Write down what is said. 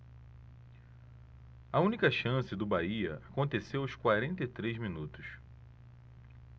a única chance do bahia aconteceu aos quarenta e três minutos